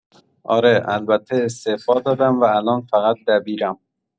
آره، البته استعفا دادم و الان فقط دبیرم